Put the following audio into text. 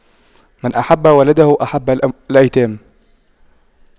من أحب ولده رحم الأيتام